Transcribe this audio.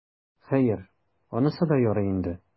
Хәер, анысы да ярый инде.